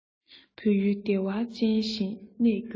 བོད ཡུལ བདེ བ ཅན བཞིན གནས འགྱུར ཅིག